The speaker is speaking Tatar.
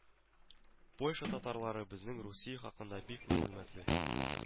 Польша татарлары безнең Русия хакында бик мәгълүматлы